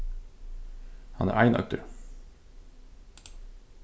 hann er einoygdur